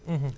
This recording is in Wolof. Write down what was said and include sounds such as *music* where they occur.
*hesitation* *hesitation*